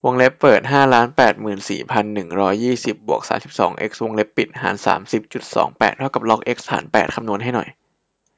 วงเล็บเปิดห้าล้านแปดหมื่นสี่พันหนึ่งร้อยยี่สิบบวกสามสิบสองเอ็กซ์วงเล็บปิดหารสามสิบจุดสองแปดเท่ากับล็อกเอ็กซ์ฐานแปดคำนวณให้หน่อย